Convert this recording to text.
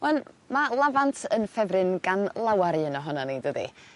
'Wan ma' lafant yn ffefryn gan lawar un ohonon ni dydi?